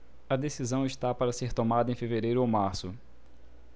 a decisão está para ser tomada em fevereiro ou março